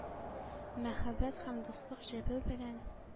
Мәхәббәт һәм дуслык җебе белән